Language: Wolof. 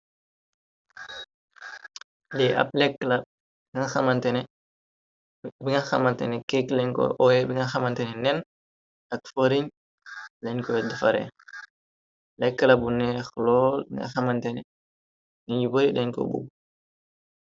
Li ab lekkla binga xamantene kaek lañko oye binga xamantene neen ak foriñ dañkoy defare lekkla bu neex lool binga xamantene niñu bari deñko bug.